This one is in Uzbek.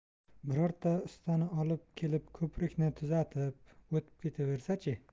birorta ustani olib kelib ko'prikni tuzatib o'tib ketaversa chi